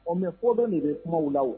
O mɛ fɔ dɔ de bɛ kuma la